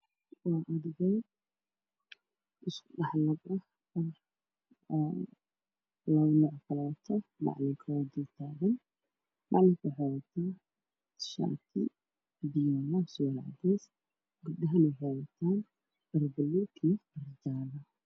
Waa isku waxaa jooga gabdho waxay wataan cabaayado buluug jaalo in ay ogtahay waana macallin